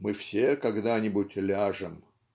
мы все когда-нибудь ляжем.